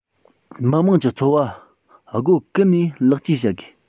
མི དམངས ཀྱི འཚོ བ སྒོ ཀུན ནས ལེགས བཅོས བྱ དགོས